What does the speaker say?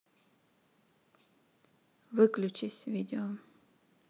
выключись видео